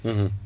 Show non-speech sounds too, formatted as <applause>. <hesitation> <hesitation>